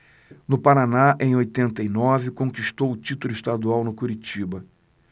no paraná em oitenta e nove conquistou o título estadual no curitiba